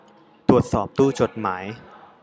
ตรวจสอบตู้จดหมาย